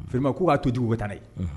Vraiment k'u k'a ten, u ka taa n'a ye. Unhun!